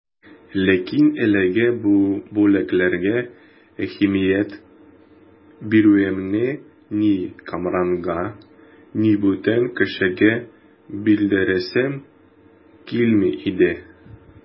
Ләкин әлеге бүләкләргә әһәмият бирүемне ни Кәмранга, ни бүтән кешегә белдерәсем килми иде.